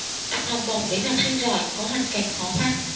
tặng học bổng đến học sinh giỏi có hoàn cảnh khó khăn